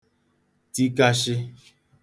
tikashị